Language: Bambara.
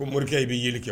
Ko morikɛ i b'ili kɛ